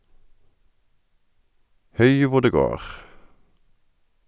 Hui hvor det går!